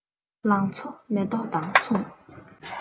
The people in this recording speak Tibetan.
ལང ཚོ མེ ཏོག དང མཚུངས